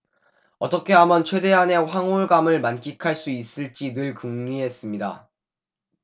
어떻게 하면 최대한의 황홀감을 만끽할 수 있을지 늘 궁리했습니다